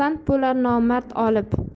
bo'lar nomard olib